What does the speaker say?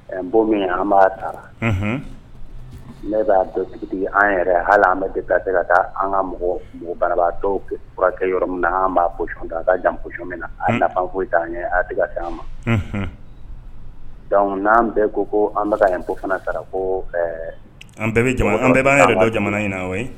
Bɔ min an b'a taara ne b'a dɔn an yɛrɛ hali an bɛɛ de se ka taa an ka mɔgɔ mɔgɔ barabaa dɔw furakɛ yɔrɔ min na an b'a an ka jan min na an foyi t'an ye a kɛ an ma dɔnku n'an bɛɛ ko ko an bɛka fana taara ko an bɛɛ bɛ an bɛɛ b'an yɛrɛ don jamana in na o ye